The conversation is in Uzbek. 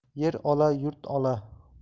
yer ola yurt ola